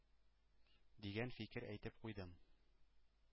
Дигән фикер әйтеп куйдым.